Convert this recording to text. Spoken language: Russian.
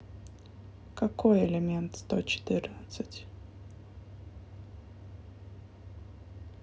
какой элемент сто четырнадцать